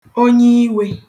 onye iwe